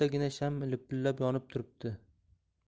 bittagina sham lipillab yonib turibdi